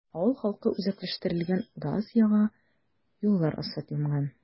Авыл халкы үзәкләштерелгән газ яга, юллар асфальтланган.